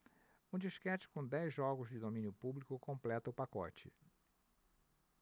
um disquete com dez jogos de domínio público completa o pacote